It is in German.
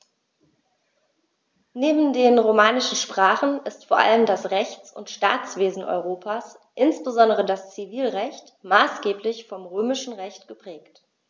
Neben den romanischen Sprachen ist vor allem das Rechts- und Staatswesen Europas, insbesondere das Zivilrecht, maßgeblich vom Römischen Recht geprägt.